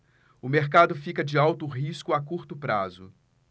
o mercado fica de alto risco a curto prazo